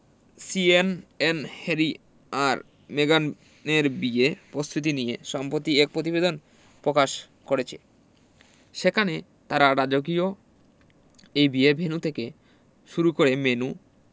CNN Harry আর মেগানের বিয়ের বিস্তারিত নিয়ে সম্প্রতি এক প্রতিবেদন প্রকাশ করেছে সেখানে তারা রাজকীয় এই বিয়ের ভেন্যু থেকে শুরু করে মেন্যু